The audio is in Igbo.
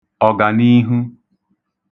ọ̀gànihu